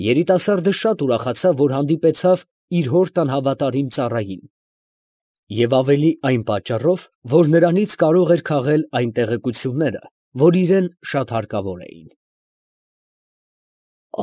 Երիտասարդը շատ ուրախացավ, որ հանդիպեցավ իր հոր տան հավատարիմ ծառային, և ավելի այն պատճառով, որ նրանից կարող էր քաղել այն տեղեկությունները, որ իրան շատ հարկավոր էին։ ֊